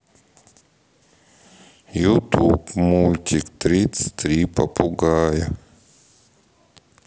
ютуб мультик тридцать три попугая